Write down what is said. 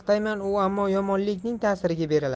maqtayman u ammo yomonlikning tasiriga berilaman